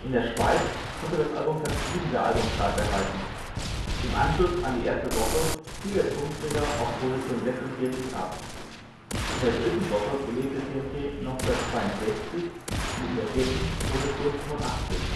der Schweiz konnte das Album Platz sieben der Album-Charts erreichen. Im Anschluss an die erste Woche fiel der Tonträger auf Position 46 ab. In der dritten Woche belegte TNT noch Platz 62 und in der vierten Position 85.